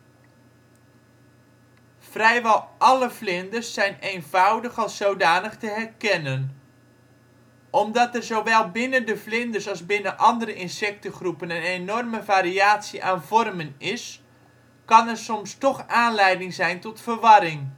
Vrijwel alle vlinders zijn eenvoudig als zodanig te herkennen. Omdat er zowel binnen de vlinders als binnen andere insectengroepen een enorme variatie aan vormen is, kan er soms toch aanleiding zijn tot verwarring